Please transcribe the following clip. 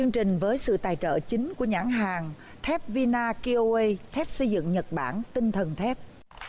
chương trình với sự tài trợ chính của nhãn hàng thép vi na ki ô uây thép xây dựng nhật bản tinh thần thép